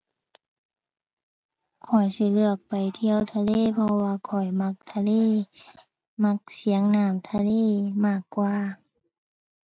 ข้อยสิเลือกไปเที่ยวทะเล เพราะว่าข้อยมักทะเล มักเสียงน้ำทะเลมากกว่า